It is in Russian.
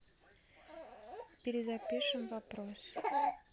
перезапишем вопрос